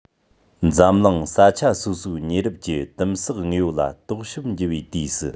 འཛམ གླིང ས ཆ སོ སོའི ཉེ རབས ཀྱི དིམ བསགས དངོས པོ ལ རྟོག ཞིབ བགྱི བའི དུས སུ